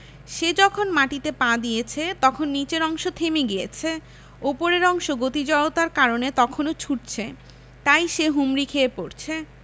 সে যখন মাটিতে পা দিয়েছে তখন নিচের অংশ থেমে গিয়েছে ওপরের অংশ গতি জড়তার কারণে তখনো ছুটছে তাই সে হুমড়ি খেয়ে পড়ছে